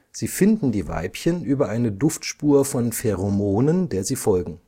Sie finden die Weibchen über eine Duftspur von Pheromonen, der sie folgen